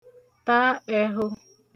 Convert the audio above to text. ta ẹhụ